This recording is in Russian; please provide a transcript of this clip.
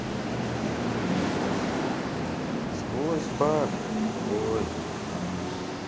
сквозь баб ой